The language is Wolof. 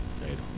day dox